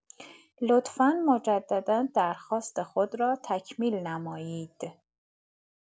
لطفا مجددا درخواست خود را تکمیل نمایید.